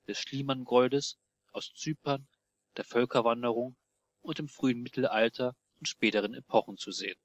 Schliemann-Goldes, aus Zypern, der Völkerwanderung und dem frühen Mittelalter und späteren Epochen zu sehen